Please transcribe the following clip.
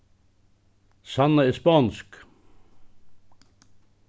sanna er sponsk